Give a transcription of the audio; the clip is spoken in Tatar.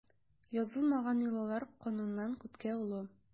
Язылмаган йолалар кануннан күпкә олы.